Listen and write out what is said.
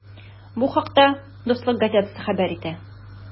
Бу хакта “Дуслык” газетасы хәбәр итә.